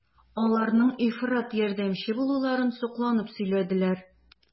Аларның ифрат ярдәмчел булуларын сокланып сөйләделәр.